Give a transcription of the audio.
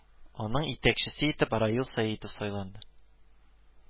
Аның итәкчесе итеп Раил Сәетов сайланды